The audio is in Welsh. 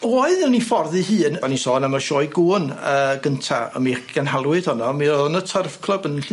Oedd yn 'i ffordd 'i hun o'n i sôn am y sioe gŵn yy gynta a mi ganhalwyd honno mi o'dd o yn y Turf Clwb yn